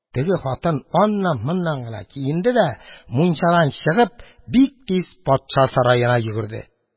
Теге хатын аннан-моннан гына киенде дә, мунчадан чыгып, бик тиз патша сараена йөгерде.